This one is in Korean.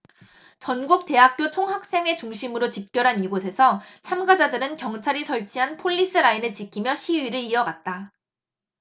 전국 대학교 총학생회 중심으로 집결한 이곳에서 참가자들은 경찰이 설치한 폴리스라인을 지키며 시위를 이어갔다